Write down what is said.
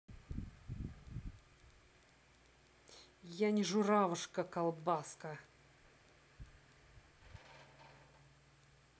я не журавушка колбаска